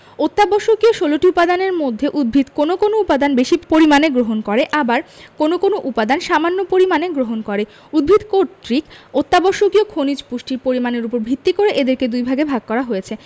অত্যাবশ্যকীয় ১৬ টি উপাদানের মধ্যে উদ্ভিদ কোনো কোনো উপাদান বেশি পরিমাণে গ্রহণ করে আবার কোনো কোনো উপাদান সামান্য পরিমাণে গ্রহণ করে উদ্ভিদ কর্তৃক গৃহীত অত্যাবশ্যকীয় খনিজ পুষ্টির পরিমাণের উপর ভিত্তি করে এদেরকে দুইভাগে ভাগ করা হয়েছে